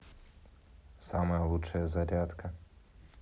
самая лучшая зарядка